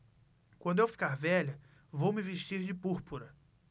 quando eu ficar velha vou me vestir de púrpura